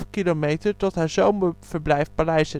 kilometer tot haar zomerverblijf paleis